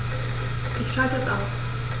Ich schalte es aus.